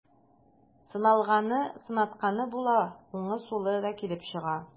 Сыналганы, сынатканы була, уңы, сулы да килеп чыга.